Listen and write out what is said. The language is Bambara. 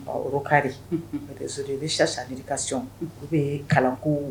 Kadi sodi bɛ si sari ka son olu bɛ kalanko